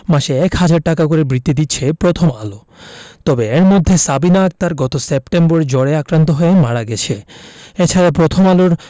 মাসে ১ হাজার টাকা করে বৃত্তি দিচ্ছে প্রথম আলো তবে এর মধ্যে সাবিনা আক্তার গত সেপ্টেম্বরে জ্বরে আক্রান্ত হয়ে মারা গেছে এ ছাড়া প্রথম আলোর